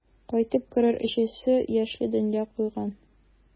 Кайтып керер өчесе яшьли дөнья куйган.